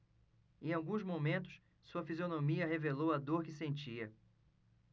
em alguns momentos sua fisionomia revelou a dor que sentia